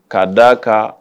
K'a d da a kan